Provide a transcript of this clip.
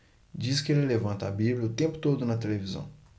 diz que ele levanta a bíblia o tempo todo na televisão